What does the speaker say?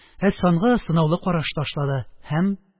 Әсфанга сынаулы караш ташлады һәм